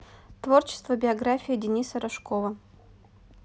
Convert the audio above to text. творчество биография дениса рожкова